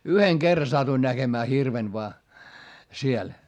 yhden kerran satuin näkemään hirven vain siellä